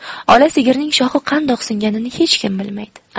ola sigirning shoxi qandoq singanini hech kim bilmaydi